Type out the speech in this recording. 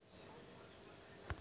включи нам классную музыку